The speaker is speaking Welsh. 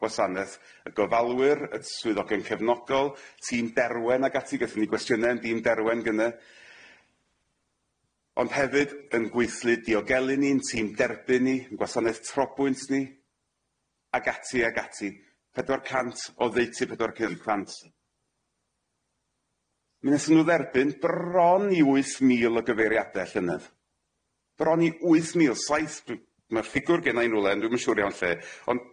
gwasaneth y gofalwyr y swyddogion cefnogol tîm Derwen ag ati gathon ni gwestiyne am dîm Derwen gynne ond hefyd 'yn gweithlu diogelu ni'n tîm derbyn ni 'yn gwasaneth trobwynt ni ag ati ag ati pedwar cant o ddeutu pedwar pum cant. Mi nethon nw dderbyn bron i wyth mil o gyfeiriade llynedd bron i wyth mil saith dwi ma'r ffigwr genna i'n rwle ond dwi'm yn siŵr iawn lle ond